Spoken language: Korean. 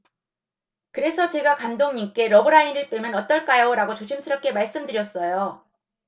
그래서 제가 감독님께 러브라인을 빼면 어떨까요라고 조심스럽게 말씀드렸어요